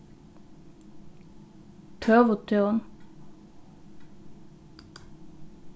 tøðutún